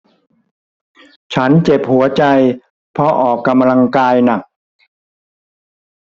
ฉันเจ็บหัวใจเพราะออกกำลังกายหนัก